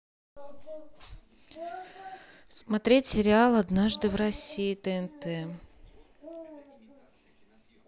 смотреть сериал однажды в россии тнт